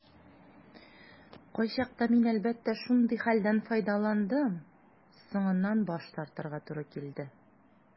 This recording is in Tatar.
Кайчакта мин, әлбәттә, шундый хәлдән файдаландым - соңыннан баш тартырга туры килде.